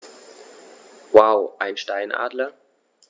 Wow! Einen Steinadler?